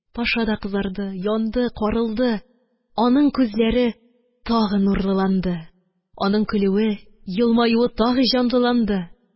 Паша да кызарды, янды, каралды. Аның күзләре тагы нурлыланды. Аның көлүе, елмаюы тагы җанлыланды